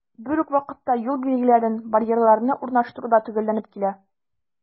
Бер үк вакытта, юл билгеләрен, барьерларны урнаштыру да төгәлләнеп килә.